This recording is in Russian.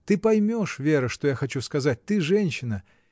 Ты поймешь, Вера, что я хочу сказать, ты женщина!.